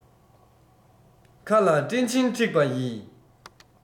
མཁའ ལ སྤྲིན ཆེན འཁྲིགས པ ཡིས